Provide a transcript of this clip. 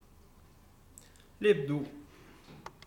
སླེབས འདུག